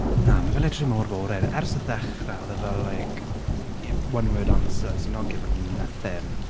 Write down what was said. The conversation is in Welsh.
Na ma' fe literally mor boring. Ers y ddechrau oedd e fel like one word answers. You're not giving me nothing.